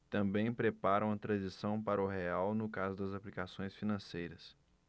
também preparam a transição para o real no caso das aplicações financeiras